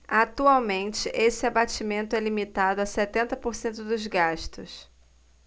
atualmente esse abatimento é limitado a setenta por cento dos gastos